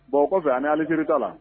Bon o kɔfɛ ani ali kikala la